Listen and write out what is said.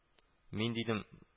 — мин... — дидем